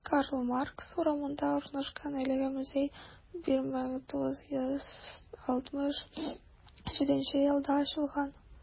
Карл Маркс урамында урнашкан әлеге музей 1967 елда ачылган.